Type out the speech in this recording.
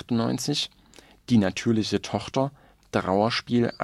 1798) Die natürliche Tochter (Trauerspiel